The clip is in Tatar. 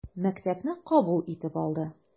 Мәктәпне кабул итеп алды.